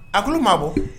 A tulo maa bɔ